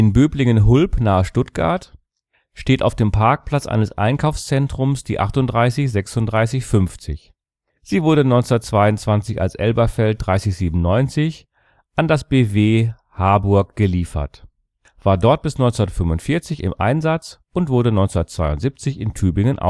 Böblingen-Hulb nahe Stuttgart steht auf dem Parkplatz eines Einkaufszentrums bei 48° 41′ 12,55″ N, 8° 59′ 5,2″ O 48.686828.984777430 die 38 3650. Sie wurde 1922 als Elberfeld 3097 an das Bw (Hamburg -) Harburg geliefert, war dort bis 1945 im Einsatz und wurde 1972 in Tübingen ausgemustert